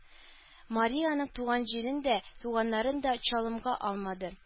Мария аның туган җирен дә, туганнарын да чалымга алмады.